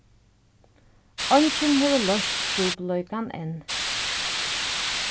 eingin hevur loyst trupulleikan enn